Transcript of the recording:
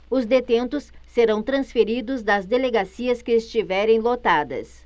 os detentos serão transferidos das delegacias que estiverem lotadas